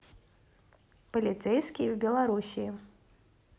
полицейские в белоруссии